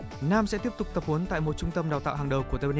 nam sẽ tiếp tục tập huấn tại một trung tâm đào tạo hàng đầu của tây